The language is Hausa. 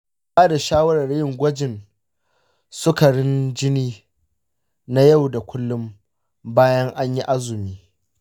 ina ba da shawarar yin gwajin sukarin jini na yau da kullum bayan an yi azumi .